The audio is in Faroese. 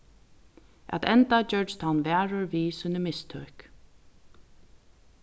at enda gjørdist hann varur við síni mistøk